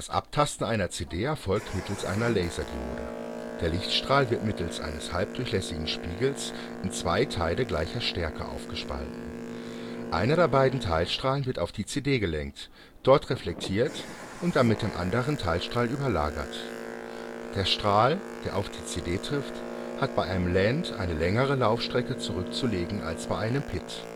Abtasten einer CD erfolgt mittels einer Laserdiode. Der Lichtstrahl wird mittels eines halbdurchlässigen Spiegels in zwei Teile gleicher Stärke aufgespalten. Einer der beiden Teilstrahlen wird auf die CD gelenkt, dort reflektiert und dann mit dem anderen Teilstrahl überlagert. Der Strahl, der auf die CD trifft, hat bei einem Land eine längere Laufstrecke zurückzulegen als bei einem Pit